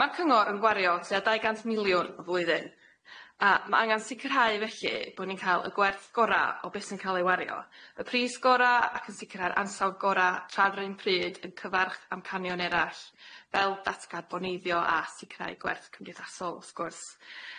Ma' Cyngor yn gwario tua dau gant miliwn y flwyddyn a ma' angan sicirhau felly bo' ni'n ca'l y gwerth gora' o beth sy'n ca'l ei wario, y pris gora' ac yn sicirhau'r ansawdd gora' tra'r un pryd yn cyfarch amcanion erall fel datgad boneiddio a sicirhau gwerth cymdeithasol wrth gwrs.